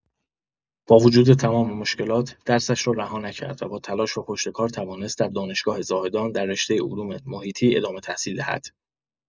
با وجود تمام مشکلات، درسش را رها نکرد و با تلاش و پشتکار توانست در دانشگاه زاهدان در رشته علوم‌محیطی ادامه تحصیل دهد.